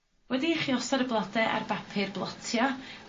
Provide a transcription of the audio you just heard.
Wedi i chi osod y blode ar bapur blotia